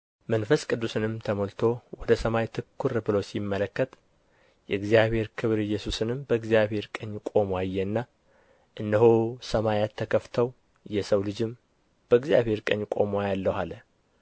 መንፈስ ቅዱስንም ተሞልቶ ወደ ሰማይ ትኵር ብሎ ሲመለከት የእግዚአብሔርን ክብር ኢየሱስንም በእግዚአብሔር ቀኝ ቆሞ አየና እነሆ ሰማያት ተከፍተው የሰው ልጅም በእግዚአብሔር ቀኝ ቆሞ አያለሁ አለ